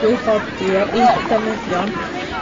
gwyfodir i academyddion